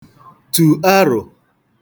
tù arụ̀